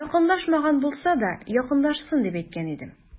Якынлашмаган булса да, якынлашсын, дип әйткән идем.